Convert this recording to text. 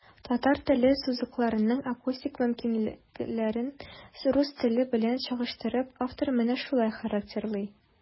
Татар теле сузыкларының акустик мөмкинлекләрен, рус теле белән чагыштырып, автор менә шулай характерлый.